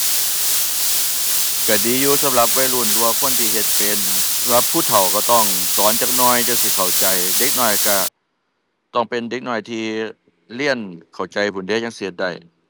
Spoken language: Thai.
ก็ดีอยู่สำหรับวัยรุ่นหรือว่าคนที่เฮ็ดเป็นนะครับ สำหรับผู้เฒ่าก็ต้องสอนจักหน่อยจั่งสิเข้าใจ เด็กน้อยก็ต้องเป็นเด็กน้อยที่เรียนเข้าใจพู้นเดะ จั่งสิเฮ็ดได้